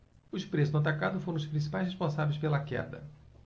os preços no atacado foram os principais responsáveis pela queda